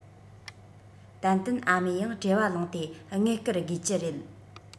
ཏན ཏན ཨ མས ཡང བྲེལ བ ལངས ཏེ དངུལ བསྐུར དགོས ཀྱི རེད